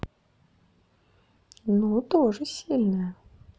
ну тоже сильная